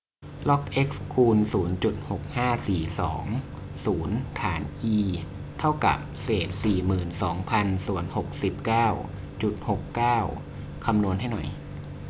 ล็อกเอ็กซ์คูณศูนย์จุดหกห้าสี่สองศูนย์ฐานอีเท่ากับเศษสี่หมื่นสองพันส่วนหกสิบเก้าจุดหกเก้าคำนวณให้หน่อย